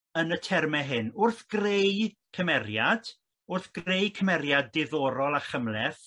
yn y terme hyn wrth greu cymeriad wrth greu cymeriad diddorol a chymleth